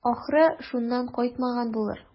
Ахры, шуннан кайтмаган булыр.